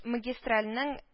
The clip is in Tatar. Магистральның